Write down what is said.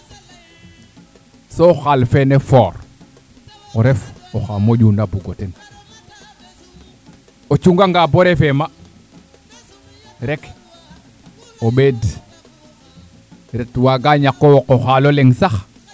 so xaal fene foor o ref oxa moƴuna bugo ten o cunga nga bo refe ma rek o ɓeeɗ rek ret waaga ñako woqo xaalo leŋ sax